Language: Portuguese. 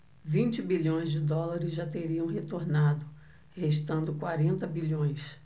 vinte bilhões de dólares já teriam retornado restando quarenta bilhões